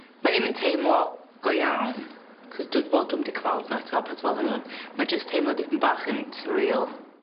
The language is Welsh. ma' dim yn teimlo go iawn 'c'os dw fel dwm 'di cyfarfo n'w eto a peth fel hyn ond mae jyst teimlo dipyn bach yn surreal.